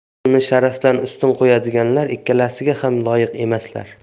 pulni sharafdan ustun qo'yadiganlar ikkalasiga ham loyiq emaslar